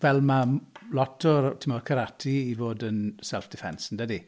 Fel mae m- lot o'r timod karate i fod yn self-defence, yn dydi?